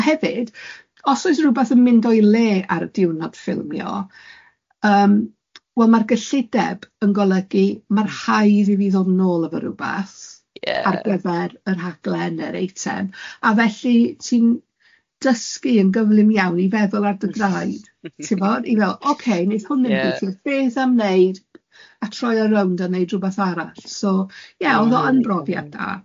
A hefyd os oes rwbeth yn mynd o'i le ar diwrnod ffilmio yym, wel, mae'r gyllideb yn golygu mae'n rhaid i fi ddod nôl efo rywbeth... Ie ...ar gyfer y rhaglen neu'r eitem, a felly ti'n dysgu yn gyflym iawn i feddwl ar dy draed, tibod, i feddwl ocê wneith hwn ddim gweithio... Ie. ...beth am wneud, a troi o rownd a wneud rywbeth arall. So ie, oedd o yn brofiad da.